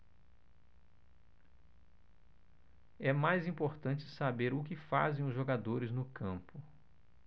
é mais importante saber o que fazem os jogadores no campo